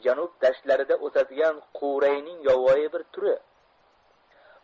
janub dashtlarida o'sadigan quvrayning yovvoyi bir turi